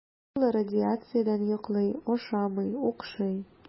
Камилла радиациядән йоклый, ашамый, укшый.